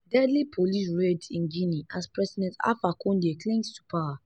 Deadly police raids in Guinea as President Alpha Condé clings to power